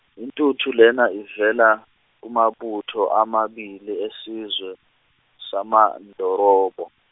intuthu lena ivela, kumabutho amabili esizwe samaNdorobo.